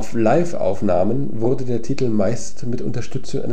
Live-Aufnahmen wurde der Titel meist mit Unterstützung